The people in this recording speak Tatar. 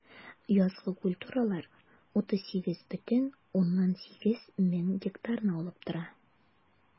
Язгы культуралар 38,8 мең гектарны алып тора.